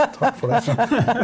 takk for det .